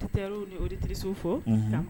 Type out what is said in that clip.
Ka auditers ni auditricest fɔ